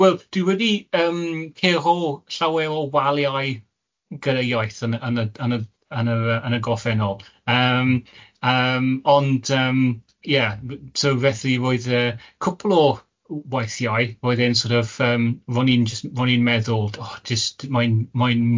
Wel dwi wedi yym cerho llawer o waliau gyda iaith yn y yn y yn y yn y goffennol yym yym ond yym ie so felly roedd yy cwpwl o waithiau roedd e'n sort of yym ro'n i'n jyst ro'n i'n meddwl o jyst mae'n mae'n m-